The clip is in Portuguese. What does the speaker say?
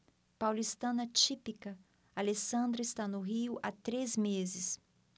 paulistana típica alessandra está no rio há três meses